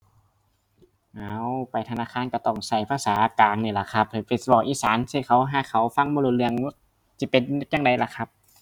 เอ๋า ไปธนาคารก็ต้องก็ภาษากลางนี่ล่ะครับให้ไปเว้าอีสานใส่เขาห่าเขาฟังบ่รู้เรื่อง สิเป็นจั่งใดล่ะครับ